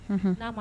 Un